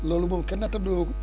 loolu moom kenn naatable wu ko